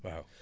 waaw